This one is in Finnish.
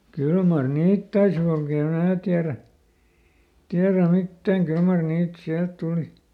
kyllä mar niitä taisi kulkea en minä tiedä tiedä mitään kyllä mar niitä sieltä tuli